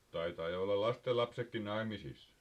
taitaa jo olla lastenlapsetkin naimisissa